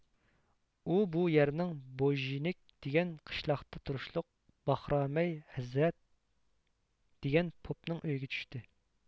ئۇ بۇ يەرنىڭ بوژېنك دېگەن قىشلاقتا تۇرۇشلۇق باخرامەي ھەززەت دېگەن پوپنىڭ ئۆيىگە چۈشتى